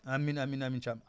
amiin amiin amiin Thiam